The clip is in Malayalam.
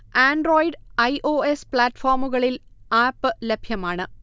Android I. ഓ. എസ്. പ്ലാറ്റ്ഫോമുകളിൽ ആപ്പ് ലഭ്യമാണ്